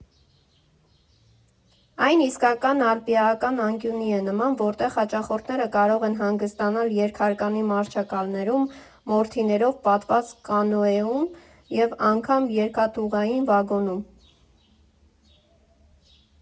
Այն իսկական ալպիական անկյունի է նման, որտեղ հաճախորդները կարող են հանգստանալ երկհարկանի մահճակալներում, մորթիներով պատված կանոեում և անգամ երկաթուղային վագոնում։